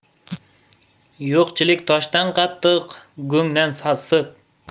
yo'qchilik toshdan qattiq go'ngdan sassiq